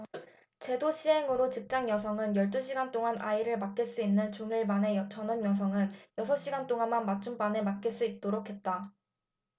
제도 시행으로 직장여성은 열 두 시간 동안 아이를 맡길 수 있는 종일반에 전업여성은 여섯 시간 동안만 맞춤반에 맡길 수 있도록 했다